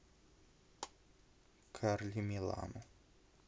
carli милану